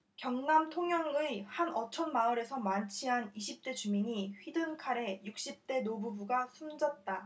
경남 통영의 한 어촌마을에서 만취한 이십 대 주민이 휘둔 칼에 육십 대 노부부가 숨졌다